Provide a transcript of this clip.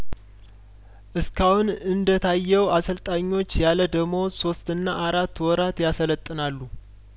እስካሁን እንደታየው አሰልጣኞች ያለደሞዝ ሶስትና አራት ወራት ያሰለጥናሉ